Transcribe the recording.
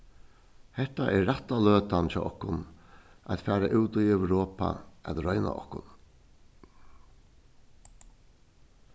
hetta er rætta løtan hjá okkum at fara út í europa at royna okkum